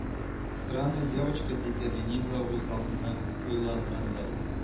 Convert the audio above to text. Странная девочка диде лениза үзалдына уйлангандай